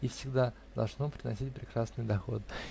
и всегда должно приносить прекрасный доход.